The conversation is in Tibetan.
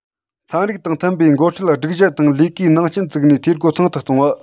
ཚན རིག དང མཐུན པའི འགོ ཁྲིད སྒྲིག གཞི དང ལས ཀའི ནང རྐྱེན བཙུགས ནས འཐུས སྒོ ཚང དུ གཏོང བ